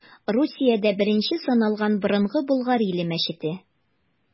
Русиядә беренче саналган Борынгы Болгар иле мәчете.